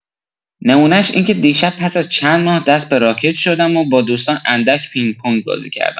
نمونش اینکه دیشب پس از چندماه، دست به راکت شدم و با دوستان اندک پینگ‌پنگ بازی کردم.